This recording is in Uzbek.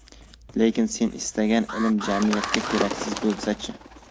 lekin sen istagan ilm jamiyatga keraksiz bo'lsa chi